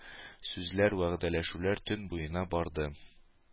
Сүзләр, вәгъдәләшүләр төн буена барды.